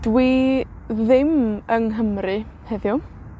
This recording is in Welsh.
Dwi ddim yng Nghymru heddiw.